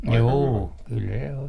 juu kyllä se on